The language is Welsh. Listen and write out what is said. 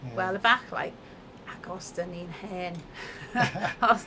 Wel efallai achos dan ni'n hen !